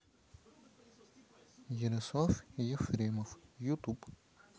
ярослав ефремов ютуб